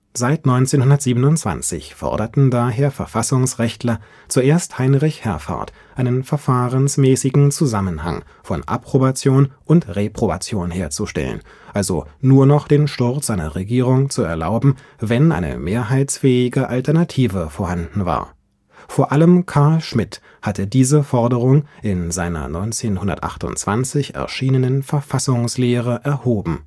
Seit 1927 forderten daher Verfassungsrechtler, zuerst Heinrich Herrfahrdt, einen verfahrensmäßigen Zusammenhang von „ Approbation “und „ Reprobation “(Erich Kaufmann) herzustellen, also nur noch den Sturz einer Regierung zu erlauben, wenn eine mehrheitsfähige Alternative vorhanden war. Vor allem Carl Schmitt hatte diese Forderung in seiner 1928 erschienen „ Verfassungslehre “erhoben